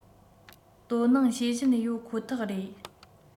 དོ སྣང བྱེད བཞིན ཡོད ཁོ ཐག རེད